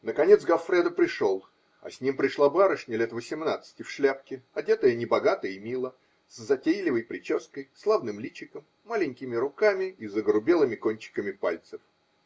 Наконец Гоффредо пришел, а с ним пришла барышня лет восемнадцати в шляпке, одетая небогато и мило, с затейливой прической, славным личиком, маленькими руками и загрубелыми кончиками пальцев.